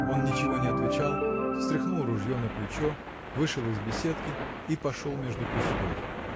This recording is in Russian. Он ничего не отвечал, встряхнул ружье на плечо, вышел из беседки и пошел между кустов.